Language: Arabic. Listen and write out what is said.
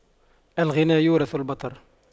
الغنى يورث البطر